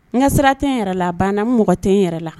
N ka sira tɛ n yɛrɛ la, a banna n mako tɛ n yɛrɛ la.